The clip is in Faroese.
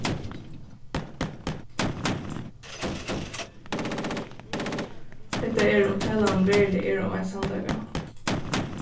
hetta er um talan veruliga er um ein sannleika